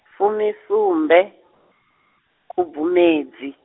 fumisumbe, Khubvumedzi.